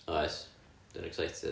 oes dwi'n excited